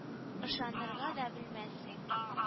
Ышанырга да белмәссең